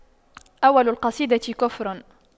أول القصيدة كفر